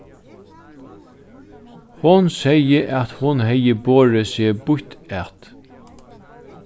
hon segði at hon hevði borið seg býtt at